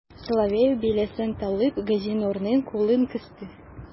Соловеев, бияләен салып, Газинурның кулын кысты.